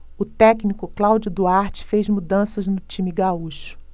o técnico cláudio duarte fez mudanças no time gaúcho